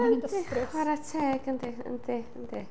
Yndi chwarae teg, yndi, yndi, yndi.